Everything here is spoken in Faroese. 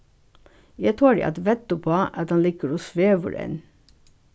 eg tori at vedda upp á at hann liggur og svevur enn